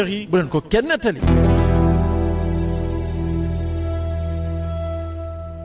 Amady Ba war a dala ku xam-xamam màcc jëm ci wàllu assurance boobu kon nag yéen baykat yi yéen auditeurs yi bu leen ko kenn nettali